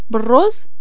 بروز